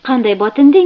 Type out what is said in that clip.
qanday botingding